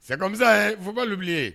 c'est comme ça il faut pas oublier